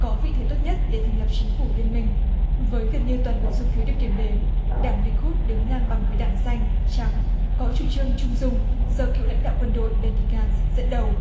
có vị thế tốt nhất để thành lập chính phủ liên minh với gần như toàn bộ số phiếu được kiểm đếm đảng li cút đứng ngang bằng với đảng xanh trắng có chủ trương trung dung do cựu lãnh đạo quân đội be ni kan dẫn đầu